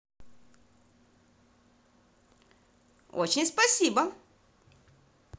очень спасибо